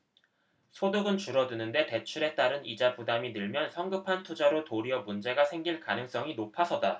소득은 줄어드는데 대출에 따른 이자 부담이 늘면 성급한 투자로 도리어 문제가 생길 가능성이 높아서다